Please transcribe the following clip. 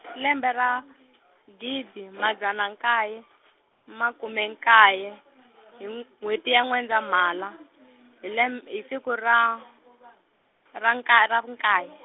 lembe ra, gidi madzana nkaye, makume nkaye, hi n- n'wheti ya N'wendzamhala, hi lem- hi siku ra, ra nka- ra ro nkaye.